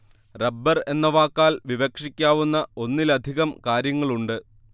rubber എന്ന വാക്കാൽ വിവക്ഷിക്കാവുന്ന ഒന്നിലധികം കാര്യങ്ങളുണ്ട്